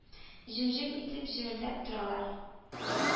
Җем-җем итеп җемелдәп торалар.